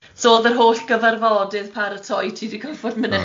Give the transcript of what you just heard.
So o'dd yr holl gyfarfodydd paratoi ti di gorfod mynychyd